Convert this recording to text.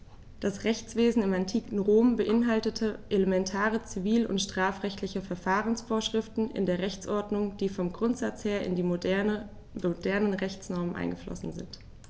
Das Rechtswesen im antiken Rom beinhaltete elementare zivil- und strafrechtliche Verfahrensvorschriften in der Rechtsordnung, die vom Grundsatz her in die modernen Rechtsnormen eingeflossen sind.